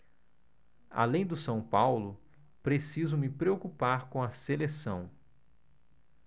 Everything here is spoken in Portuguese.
além do são paulo preciso me preocupar com a seleção